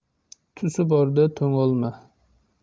tusi bordan to'ngilma